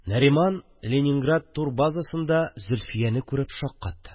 Нариман Ленинград турбазасында Зөлфияне күреп шаккатты